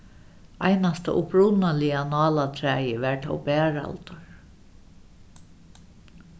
einasta upprunaliga nálatræið var tó baraldur